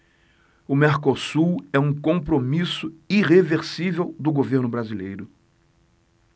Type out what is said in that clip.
o mercosul é um compromisso irreversível do governo brasileiro